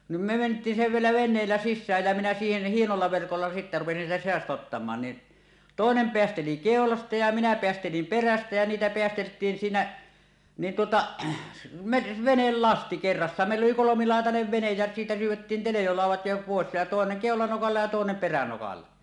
niin me mentiin vielä veneellä sisään ja minä siihen hienolla verkolla sitten rupesin sieltä seasta ottamaan niin toinen päästeli keulasta ja minä päästelin perästä ja niitä päästeltiin siinä niin tuota me venelasti kerrassaan meillä oli kolmilaitainen vene ja siitä syydettiin teljolaudat jo pois ja toinen keulanokalla ja toinen peränokalla